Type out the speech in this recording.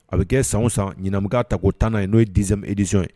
A bɛ kɛ san san ɲmɔgɔ ta' o tan yen n'o di ediz ye